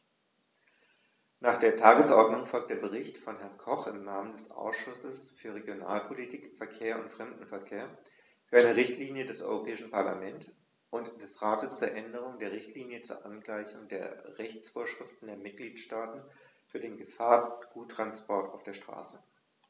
Nach der Tagesordnung folgt der Bericht von Herrn Koch im Namen des Ausschusses für Regionalpolitik, Verkehr und Fremdenverkehr für eine Richtlinie des Europäischen Parlament und des Rates zur Änderung der Richtlinie zur Angleichung der Rechtsvorschriften der Mitgliedstaaten für den Gefahrguttransport auf der Straße.